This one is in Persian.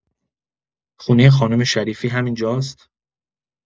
خونۀ خانم شریفی همین‌جاست؟